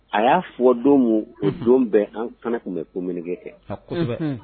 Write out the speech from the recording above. A y'a fɔ don min, unhun, o don bɛɛ an fana tun bɛ communiqué kɛ, aa kosɛbɛ, unhun.